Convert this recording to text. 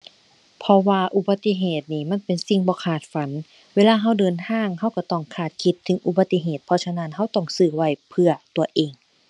เพราะว่าอุบัติเหตุนี่มันเป็นสิ่งบ่คาดฝัน เวลาเราเดินทางเราเราต้องคาดคิดถึงอุบัติเหตุ เพราะฉะนั้นเราต้องซื้อไว้เพื่อตัวเอง